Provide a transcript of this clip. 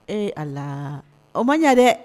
Ee a o man ɲɛ dɛ